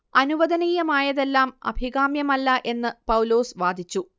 അനുവദനീയമായതെല്ലാം അഭികാമ്യമല്ല എന്ന് പൗലോസ് വാദിച്ചു